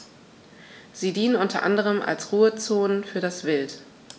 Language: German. Sie dienen unter anderem als Ruhezonen für das Wild.